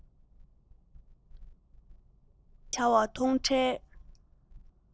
སྟ གོན བྱ བ མཐོང འཕྲལ